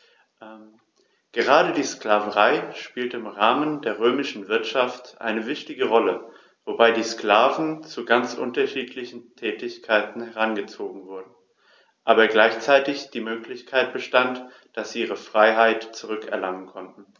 Gerade die Sklaverei spielte im Rahmen der römischen Wirtschaft eine wichtige Rolle, wobei die Sklaven zu ganz unterschiedlichen Tätigkeiten herangezogen wurden, aber gleichzeitig die Möglichkeit bestand, dass sie ihre Freiheit zurück erlangen konnten.